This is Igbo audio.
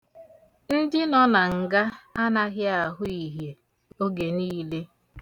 Ndị nọ na nga anaghị ahụ ihie oge niile.